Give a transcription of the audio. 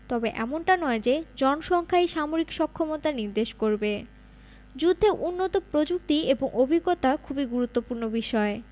তবে এমনটা নয় যে জনসংখ্যাই সামরিক সক্ষমতা নির্দেশ করবে যুদ্ধে উন্নত প্রযুক্তি এবং অভিজ্ঞতা খুবই গুরুত্বপূর্ণ বিষয়